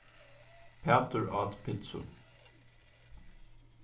pætur át pitsu